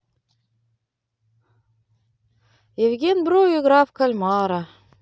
евген бро и игра в кальмара